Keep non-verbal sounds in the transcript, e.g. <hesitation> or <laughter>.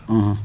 <hesitation> <hesitation>